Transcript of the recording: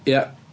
Ia